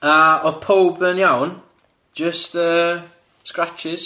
a o'dd powb yn iawn jyst yy scratches.